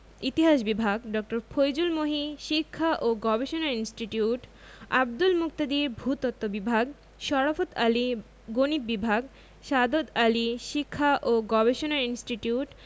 ইতিহাস বিভাগ ড. ফয়জুল মহি শিক্ষা ও গবেষণা ইনস্টিটিউট আব্দুল মুকতাদির ভূ তত্ত্ব বিভাগ শরাফৎ আলী গণিত বিভাগ সাদত আলী শিক্ষা ও গবেষণা ইনস্টিটিউট